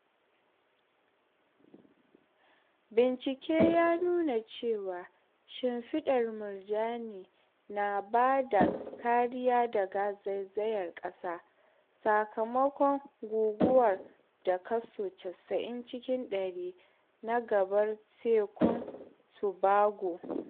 Bincike ya nuna cewa shimfiɗar murjani na ba da kariya daga zaizayar ƙasa sakamakon guguwa da kaso 90 cikin ɗari na gaɓar tekun Tobago.